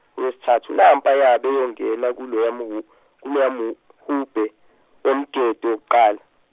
nesthatu nampaya bayo ngena, kuloya mwu, kuloya mwu mhubhe, womgedo wokuqala.